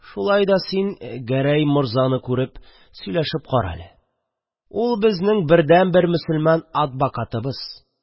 – шулай да син гәрәй морзаны күреп сөйләшеп кара әле, ул безнең бердәнбер мосылман атбакатыбыз.